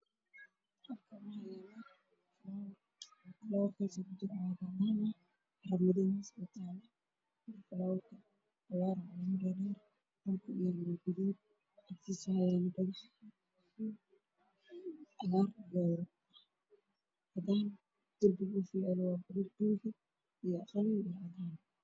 Waa qol Meshan waxaa yaalo ubax cagaar ah